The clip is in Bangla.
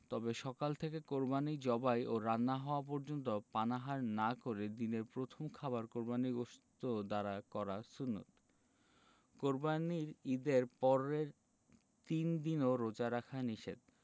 তবে সকাল থেকে কোরবানি জবাই ও রান্না হওয়া পর্যন্ত পানাহার না করে দিনের প্রথম খাবার কোরবানির গোশত দ্বারা করা সুন্নাত কোরবানির ঈদের পরের তিন দিনও রোজা রাখা নিষেধ